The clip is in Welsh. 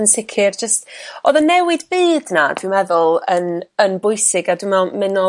yn sicr jyst o'dd y newid byd 'na dwi'n meddwl yn, yn bwysig a dwi me'l